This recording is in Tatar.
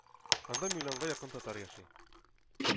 Анда миллионга якын татар яши.